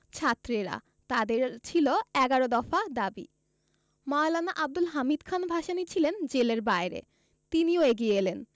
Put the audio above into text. ছাত্রেরা তাদের ছিল এগারো দফা দাবি মাওলানা আবদুল হামিদ খান ভাসানী ছিলেন জেলের বাইরে তিনিও এগিয়ে এলেন